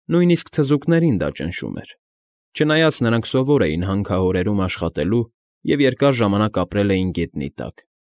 Նույնիսկ թզուկներին դա ճնշում էր, չնայած նրանք սովոր էին հանքահորերում աշխատելու և երկար ժամանակ ապրել էին գետնի տակ։